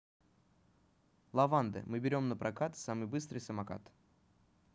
lavande мы берем напрокат самый быстрый самокат